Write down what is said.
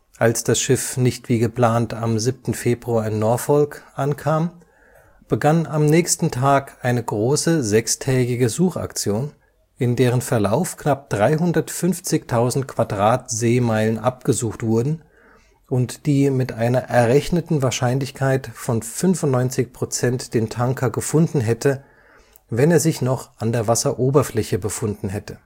Als das Schiff nicht wie geplant am 7. Februar in Norfolk (Virginia) ankam, begann am nächsten Tag eine große sechstägige Suchaktion, in deren Verlauf knapp 350.000 Quadrat-Seemeilen abgesucht wurden, und die mit einer errechneten Wahrscheinlichkeit von 95 % den Tanker gefunden hätte, wenn er sich noch an der Wasseroberfläche befunden hätte